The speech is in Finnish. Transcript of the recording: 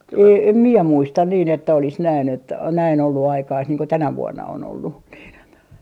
ei en minä muista niin että olisi näin että näin ollut aikaista niin kuin tänä vuonna on ollut niin on